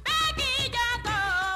Baasi' ka